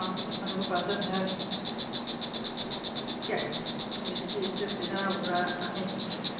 Ond ma' 'na rwbeth yn yr, ia, cymyd y dydd... derbyn ar awr a a mynd.